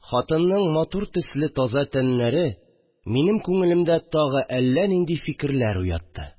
Хатынның матур төсле таза тәннәре минем күңелемдә тагы әллә нинди фикерләр уятты